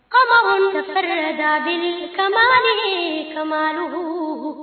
Faamakuntigɛ da katigi kadugu